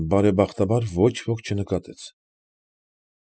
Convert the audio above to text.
Բարեբախտաբար, ոչ ոք այդ չնկատեց։